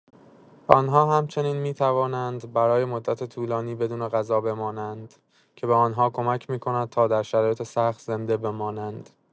آن‌ها همچنین می‌توانند برای مدت طولانی بدون غذا بمانند، که به آن‌ها کمک می‌کند تا در شرایط سخت زنده بمانند.